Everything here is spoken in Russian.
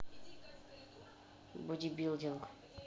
бодибилдинг